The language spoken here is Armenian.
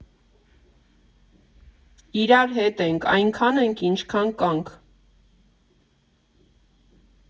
Իրար հետ ենք, այնքան ենք, ինչքան կանք»։